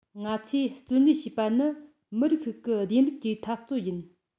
ང ཚོས བརྩོན ལེན བྱེད པ ནི མི རིགས ཤིག གི བདེན ལུགས ཀྱི འཐབ རྩོད ཡིན